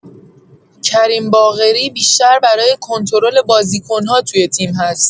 کریم باقری بیشتر برای کنترل بازیکن‌ها توی تیم هست.